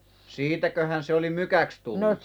siitäköhän se oli mykäksi tullut